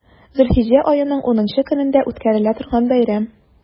Зөлхиҗҗә аеның унынчы көнендә үткәрелә торган бәйрәм.